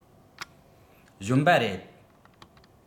གཞོན པ རེད